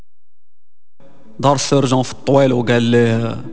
ناصر الطويل